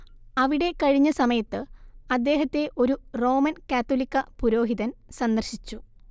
അവിടെ കഴിഞ്ഞ സമയത്ത് അദ്ദേഹത്തെ ഒരു റോമൻ കാത്തോലിക്കാ പുരോഹിതൻ സന്ദർശിച്ചു